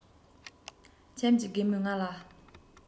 ཁྱིམ གྱི རྒན མོས ང ལ